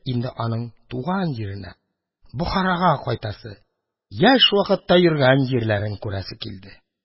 Инде аның туган җиренә — Бохарага кайтасы, яшь вакытта йөргән җирләрен күрәсе килде.